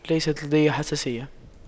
ليست لدي حساسية